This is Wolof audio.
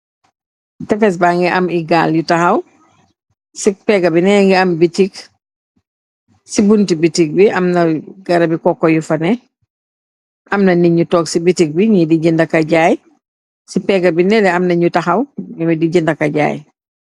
Tefes ba ngi am igaal yu taxaw ci pegga bi nee ngi am bitik ci bunti bitik bi am na garabi kokko yu fane amna nit ñu tog ci bitik bi ñi di jëndaka jaay ci pégga bi nelle am na ñu taxaw nuni di jëndaka jaay.